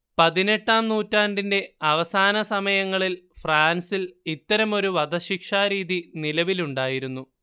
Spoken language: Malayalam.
പതിനെട്ടാം നൂറ്റാണ്ടിന്റെ അവസാനസമയങ്ങളിൽ ഫ്രാൻസിൽ ഇത്തരമൊരു വധശിക്ഷാരീതി നിലവിലുണ്ടായിരുന്നു